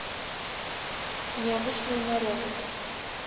необычные наряды